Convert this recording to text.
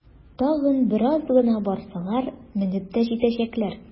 Тагын бераз гына барсалар, менеп тә җитәчәкләр!